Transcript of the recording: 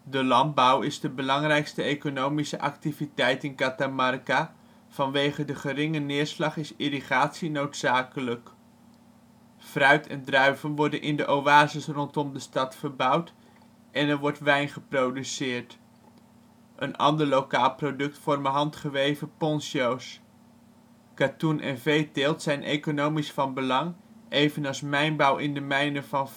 De landbouw is de belangrijkste economische activiteit in Catamarca; vanwege de geringe neerslag is irrigatie noodzakelijk. Fruit en druiven worden in de oases rondom de stad verbouwd, en er wordt wijn geproduceerd. Een ander lokaal product vormen handgeweven poncho 's. Katoen - en veeteelt zijn economisch van belang, evenals mijnbouw in de mijnen van